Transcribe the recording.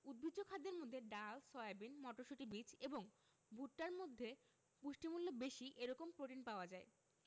উদ্ভিজ্জ খাদ্যের মধ্যে ডাল সয়াবিন মটরশুটি বীজ এবং ভুট্টার মধ্যে পুষ্টিমূল্য বেশি এরকম প্রোটিন পাওয়া যায়